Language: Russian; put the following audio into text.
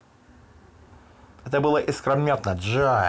это было искрометно джой